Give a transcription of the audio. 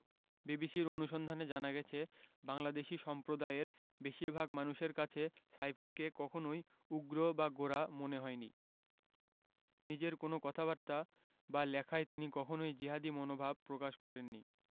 বিবিসির অনুসন্ধানে জানা গেছে বাংলাদেশি সম্প্রদায়ের বেশির ভাগ মানুষের কাছে সাইফুলকে কখনোই উগ্র বা গোঁড়া মনে হয়নি নিজের কোনো কথাবার্তা বা লেখায় তিনি কখনোই জিহাদি মনোভাব প্রকাশ করেননি